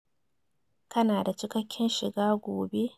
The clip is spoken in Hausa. Kana da cikaken shiga gobe.